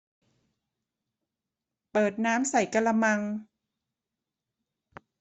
เปิดน้ำใส่กะละมัง